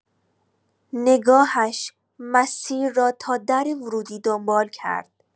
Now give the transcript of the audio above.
نگاهش مسیر را تا در ورودی دنبال کرد.